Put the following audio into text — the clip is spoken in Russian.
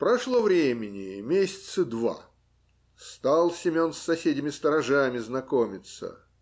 Прошло времени месяца два; стал Семен с соседями-сторожами знакомиться.